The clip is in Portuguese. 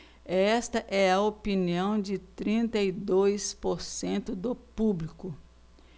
esta é a opinião de trinta e dois por cento do público